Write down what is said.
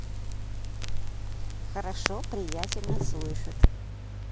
хорошо приятельно слышит